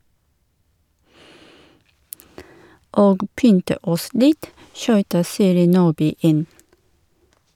- Og pynte oss litt, skyter Siri Nordby inn.